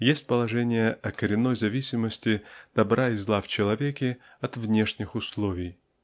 есть положение о коренной зависимости добра и зла в человеке от внешних условий.